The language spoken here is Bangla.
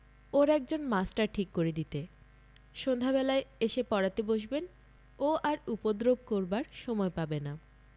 ওর একজন মাস্টার ঠিক করে দিতে সন্ধ্যেবেলায় এসে পড়াতে বসবেন ও আর উপদ্রব করবার সময় পাবে না